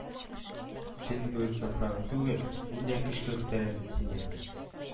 Төнбоек яфрагы түгел, мин дә көчкә күтәрәм бит сине